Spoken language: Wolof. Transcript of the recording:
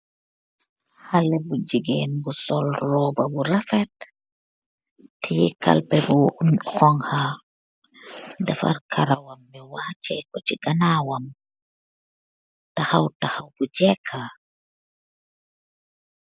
Haleh bu gigain bu sol robah bu rafet, tiyeh kalpeh bu honha, defarr karawam bi waacheh kor chi ganawam, takhaw takhaw bu jehkah,